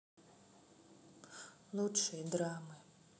лучшие драмы